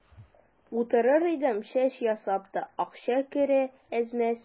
Утырыр идем, чәч ясап та акча керә әз-мәз.